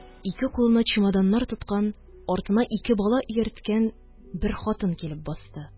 Ике кулына чемоданнар тоткан, артына ике бала иярткән бер хатын килеп басты